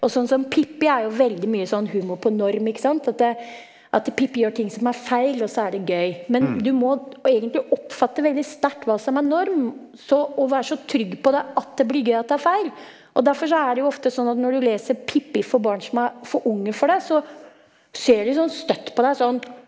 og sånn som Pippi er jo veldig mye sånn humor på norm ikke sant at at Pippi gjør ting som feil også er det gøy men du må egentlig oppfatte veldig sterkt hva som er norm, så å være så trygg på det at det blir gøy at det er feil og derfor så er det jo ofte sånn at når du leser Pippi for barn som er for unge for det så ser de sånn støtt på deg sånn.